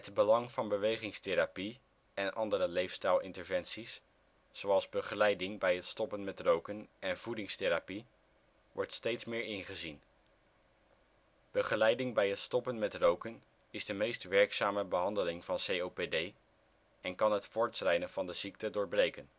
belang van bewegingstherapie en andere leefstijlinterventies, zoals begeleiding bij het stoppen met roken en voedingstherapie wordt steeds meer ingezien. Begeleiding bij het stoppen met roken is de meest werkzame behandeling van COPD en kan het voortschrijden van de ziekte doorbreken